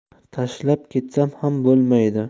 tashlab ketsam ham bo'lmaydi